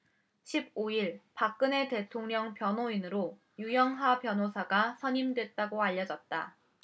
십 오 일 박근혜 대통령 변호인으로 유영하 변호사가 선임됐다고 알려졌다